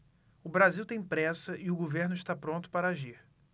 o brasil tem pressa e o governo está pronto para agir